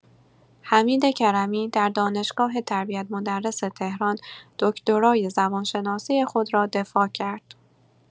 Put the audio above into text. حمید کرمی در دانشگاه تربیت مدرس تهران دکترای زبان‌شناسی خود را دفاع کرد.